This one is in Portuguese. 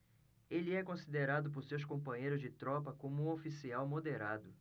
ele é considerado por seus companheiros de tropa como um oficial moderado